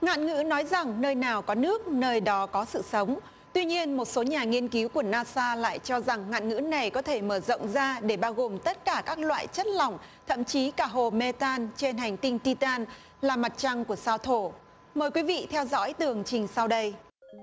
ngạn ngữ nói rằng nơi nào có nước nơi đó có sự sống tuy nhiên một số nhà nghiên cứu của na sa lại cho rằng ngạn ngữ này có thể mở rộng ra để bao gồm tất cả các loại chất lỏng thậm chí cả hồ mê tan trên hành tinh ti tan là mặt trăng của sao thổ mời quý vị theo dõi tường trình sau đây